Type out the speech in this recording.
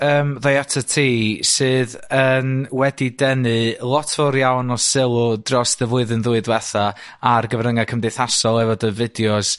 yym ddoi atat ti sydd yym wedi denu lot fowr iawn o sylw drost y flwyddyn ddwy dwetha ar gyfryngau cymdeithasol efo dy fideos